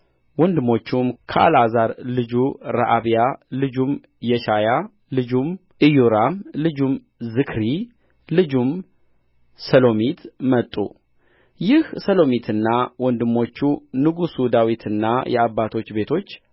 ወንድሞቹም ከአልዓዛር ልጁ ረዓብያ ልጁም የሻያ ልጁም ኢዮራም ልጁም ዝክሪ ልጁም ሰሎሚት መጡ ይህ ሰሎሚትና ወንድሞቹ ንጉሡ ዳዊትና የአባቶች ቤቶች